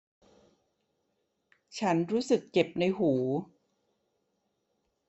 ฉันรู้สึกเจ็บในหู